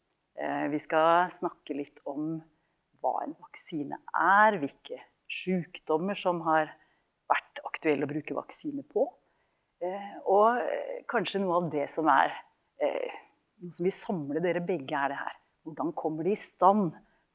vi skal snakke litt om hva en vaksine er, hvilke sjukdommer som har vært aktuelle å bruke vaksiner på og kanskje noe av det som er noe som vil samle dere begge er det her, hvordan kommer de i stand?